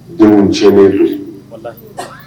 Denw cɛen ye